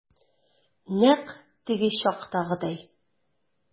Нәкъ теге чактагыдай.